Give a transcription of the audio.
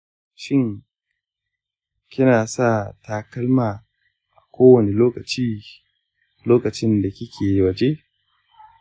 shin kina sa takalma a kowane lokaci lokacin da kike waje?